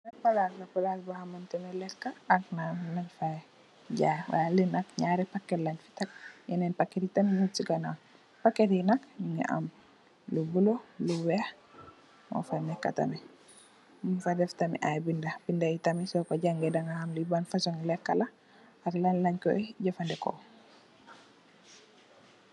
Lii nak plass la, plass bor hamni lehkah ak naan lengh faii jaii, yy lii nak njaari packet len fii tek, yenen packet yii tam mung cii ganaw, packet yii nak njungy am lu bleu, lu wekh mofa neka tamit, njung fa deff tamit aiiy binda, binda yii tamit sor kor jangeh danga ham lii ban fasoni lehkah la ak lan langh koi jeufandehkor.